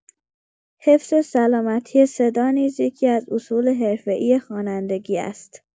حفظ سلامتی صدا نیز یکی‌از اصول حرفه‌ای خوانندگی است.